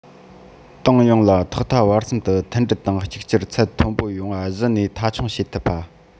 ཏང ཡོངས ལ ཐོག མཐའ བར གསུམ དུ མཐུན སྒྲིལ དང གཅིག གྱུར ཚད མཐོན པོ ཡོང བ གཞི ནས མཐའ འཁྱོངས བྱེད ཐུབ པ